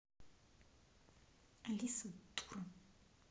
алиса дура